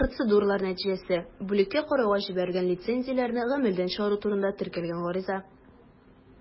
Процедуралар нәтиҗәсе: бүлеккә карауга җибәрелгән лицензияләрне гамәлдән чыгару турында теркәлгән гариза.